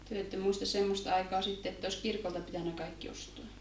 te ette muista semmoista aikaa sitten että olisi kirkolta pitänyt kaikki ostaa